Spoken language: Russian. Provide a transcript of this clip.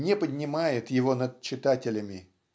не поднимает его над читателями.